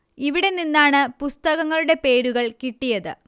ഇവിടെ നിന്നാണ് പുസ്തകങ്ങളുടെ പേരുകൾ കിട്ടിയത്